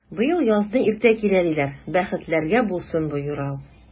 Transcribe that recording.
Быел язны иртә килә, диләр, бәхетләргә булсын бу юрау!